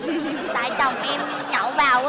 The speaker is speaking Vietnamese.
tại chồng em nhậu vào